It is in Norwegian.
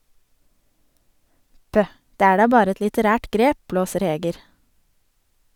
- Pøh, det er da bare et litterært grep, blåser Heger.